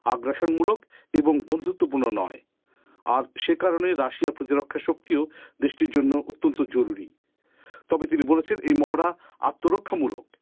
আগ্রাসন মূলক এবং বন্ধুত্বপূর্ণ নয় আর সে কারণেই রাশিয়ার প্রতিরক্ষা শক্তি ও দেশটির জন্য অত্যন্ত জরুরি তবে তিনি বলেছেন মহড়া এই আত্মরক্ষামূলক